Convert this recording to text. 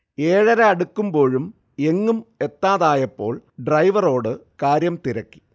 ഏഴര അടുക്കുമ്പോഴും എങ്ങും എത്താതായപ്പോൾ ഡ്രൈവറോട് കാര്യം തിരക്കി